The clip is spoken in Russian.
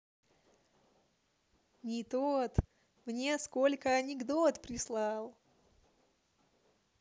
не тот мне сколько анекдот прислал